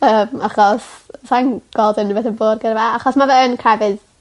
Yym achos sai'n gweld unrywbeth yn bod gyda fe achos ma' fe yn crefydd